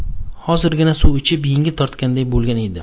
hozirgina suv ichib yengil tortganday bo'lgan edi